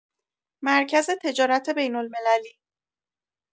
مرکز تجارت بین‌المللی